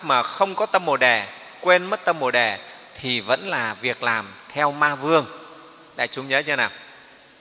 mà không có tâm bồ đề quên mất tâm bồ đề thì vẫn là việc làm theo ma vương đại chúng nhớ chưa nào